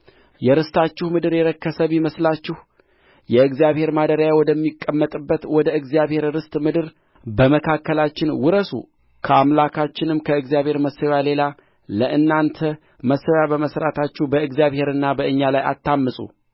የርስታችሁ ምድር የረከሰ ቢመስላችሁ የእግዚአብሔር ማደሪያ ወደሚቀመጥበት ወደ እግዚአብሔር ርስት ምድር አልፋችሁ በመካከላችን ውረሱ ከአምላካችንም ከእግዚአብሔር መሠዊያ ሌላ ለእናንተ መሠዊያ በመሥራታችሁ በእግዚአብሔርና በእኛ ላይ አታምፁ